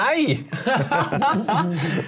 nei .